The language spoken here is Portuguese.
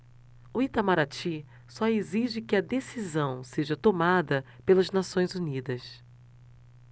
o itamaraty só exige que a decisão seja tomada pelas nações unidas